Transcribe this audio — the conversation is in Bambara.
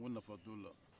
n ko nafa t'o la